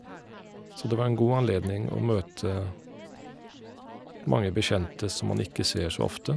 Så det var en god anledning å møte mange bekjente som man ikke ser så ofte.